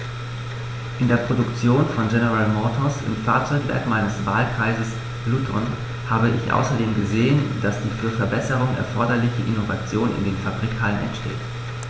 In der Produktion von General Motors, im Fahrzeugwerk meines Wahlkreises Luton, habe ich außerdem gesehen, dass die für Verbesserungen erforderliche Innovation in den Fabrikhallen entsteht.